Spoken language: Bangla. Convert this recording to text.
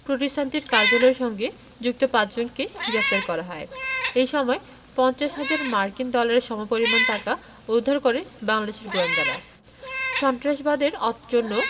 প্রতিষ্ঠানটির কার্যালয়ের সঙ্গে যুক্ত পাঁচজনকে গ্রেপ্তার করা হয় এ সময় ৫০ হাজার মার্কিন ডলারের সমপরিমাণ টাকা উদ্ধার করে বাংলাদেশের গোয়েন্দারা সন্ত্রাসবাদের জন্য